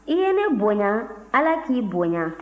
i ye ne bonya ala k'i bonya